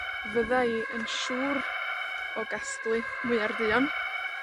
fydda i yn siŵr o gasglu mwyar dduon